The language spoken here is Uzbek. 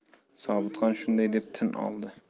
sobitxon shunday deb tin oldi